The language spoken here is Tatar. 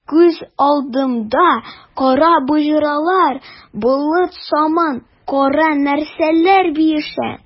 Күз алдымда кара боҗралар, болыт сыман кара нәрсәләр биешә.